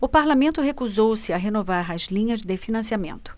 o parlamento recusou-se a renovar as linhas de financiamento